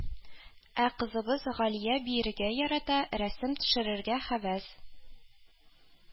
Ә кызыбыз Галия биергә ярата, рәсем төшерергә һәвәс